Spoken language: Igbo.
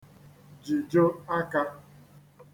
jijo aka